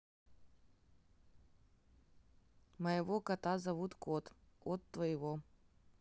моего кота зовут кот от твоего